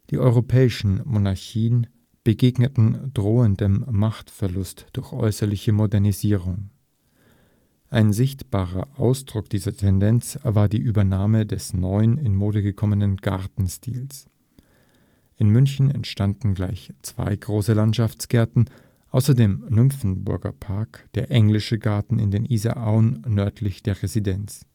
europäischen Monarchien begegneten drohendem Machtverlust durch äußerliche Modernisierung. Ein sichtbarer Ausdruck dieser Tendenz war die Übernahme des neuen, in Mode gekommenen Gartenstils. In München entstanden gleich zwei große Landschaftsgärten, außer dem Nymphenburger Park der Englische Garten in den Isarauen nördlich der Residenz